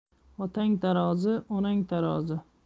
otang tarozi onang tarozi